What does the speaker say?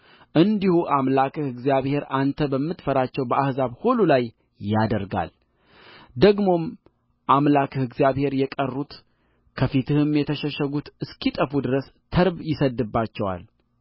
እንዲሁ አምላክህ እግዚአብሔር አንተ በምትፈራቸው በአሕዛብ ሁሉ ላይ ያደርጋልደግሞም አምላክህ እግዚአብሔር የቀሩት ከፊትህም የተሸሸጉት እስኪጠፉ ድረስ ተርብ ይሰድድባቸዋል